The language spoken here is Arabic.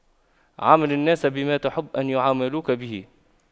عامل الناس بما تحب أن يعاملوك به